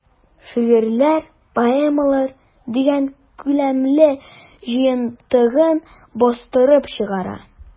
"шигырьләр, поэмалар” дигән күләмле җыентыгын бастырып чыгара.